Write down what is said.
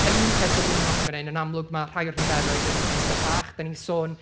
Yr un peth ddylwn i nodi fan hyn, yn amlwg ma' rhai o'r niferoedd yn yn eitha bach.